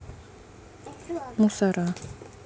мусора